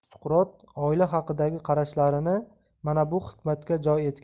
suqrot oila haqidagi qarashlarini mana bu hikmatga